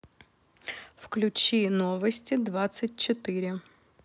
включи новости двадцать четыре